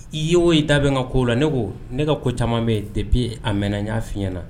I ye oo ye da bɛn ka ko la ne ne ka ko caman bɛ yen depi a mɛnna'a fiy na